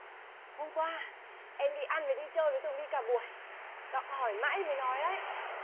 hôm qua em đi ăn với đi chơi với tường vi cả buổi gặng hỏi mãi mới nói đấy